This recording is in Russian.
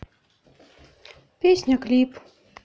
песня клип